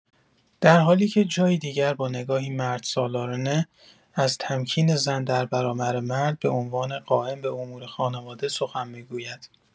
درحالی‌که جایی دیگر با نگاهی مردسالارانه از تمکین زن در برابر مرد به عنوان قائم به امور خانواده سخن می‌گوید.